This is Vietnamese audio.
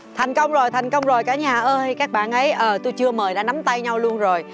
thành công rồi thành công rồi cả nhà ơi các bạn ấy ờ tui chưa mời đã nắm tay nhau luôn rồi